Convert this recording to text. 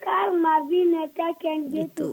' biinɛ ka kɛ n bi to